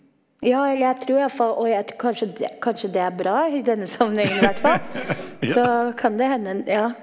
ja, eller jeg trur i alle fall og jeg kanskje det kanskje det er bra i denne sammenhengen i hvert fall, så kan det hende ja.